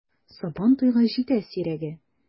Сабан туйга җитә сирәге!